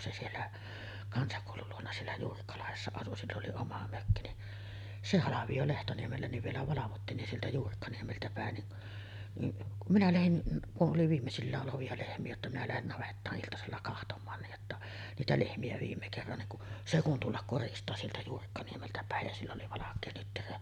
se siellä kansakoulun luona siellä Juurikkalahdessa asui sillä oli oma mökki niin se halvio Lehtoniemellä niin vielä valvottiin niin sieltä Juurikkaniemeltä päin niin niin kun minä lähdin kun oli viimeisillään olevia lehmiä jotta minä lähden navettaan iltasella katsomaan niin jotta niitä lehmiä viimeisen kerran niin kun se kun tulla koristaa sieltä Juurikkaniemeltä päin ja sillä oli valkea nyttyrä